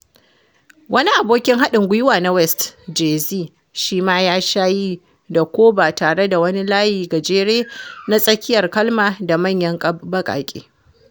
Wani abokin haɗin gwiwa na West, JAY-Z, shi ma ya sha yi da ko ba tare da wani layi gajere na tsakiyar kalma da manyan baƙaƙe.